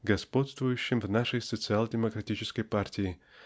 господствующим в нашей социал-демократической партии